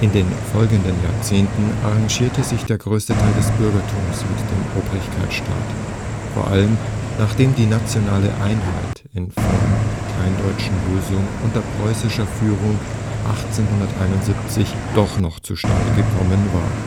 den folgenden Jahrzehnten arrangierte sich der größte Teil des Bürgertums mit dem Obrigkeitsstaat, vor allem nachdem die nationale Einheit in Form der Kleindeutschen Lösung unter preußischer Führung 1871 doch noch zustande gekommen war